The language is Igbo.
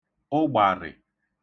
ụgbarị